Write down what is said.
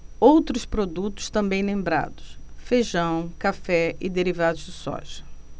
outros produtos também lembrados feijão café e derivados de soja